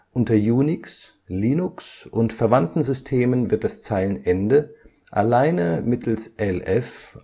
Unter Unix, Linux und verwandten Systemen wird das Zeilenende alleine mittels LF